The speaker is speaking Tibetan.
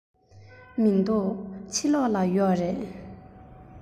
མི འདུག ཕྱི ལོགས ལ ཡོད རེད